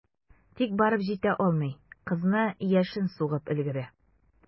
Тик барып җитә алмый, кызны яшен сугып өлгерә.